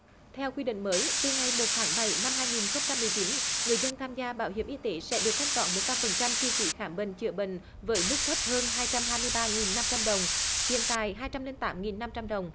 theo quy định mới từ ngày một tháng bảy năm hai nghìn không trăm mười chín người dân tham gia bảo hiểm y tế sẽ được thanh toán một trăm phần trăm chi phí khám bệnh chữa bệnh với mức thấp hơn hai trăm hai mươi ba nghìn năm trăm đồng hiện tại hai trăm linh tám nghìn năm trăm đồng